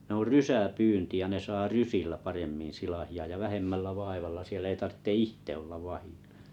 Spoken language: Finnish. ne on rysäpyynti ja ne saa rysillä paremmin silakoita ja vähemmällä vaivalla siellä ei tarvitse itse olla vahdilla